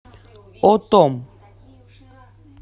о том